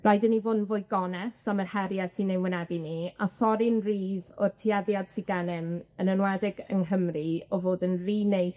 Rhaid i ni fod yn fwy gonest am yr herie sy'n ein wynebu ni, a thorri'n rydd o'r tueddiad sy gennym, yn enwedig yng Nghymru, o fod yn ry neis